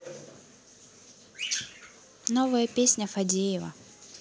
новая песня фадеева